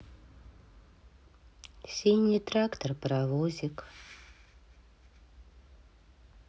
синий трактор паровозик